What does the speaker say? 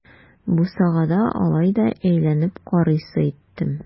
Бусагада алай да әйләнеп карыйсы иттем.